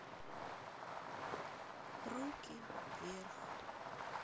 руки вверх